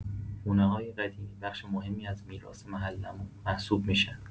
خونه‌های قدیمی بخش مهمی از میراث محله‌مون محسوب می‌شن.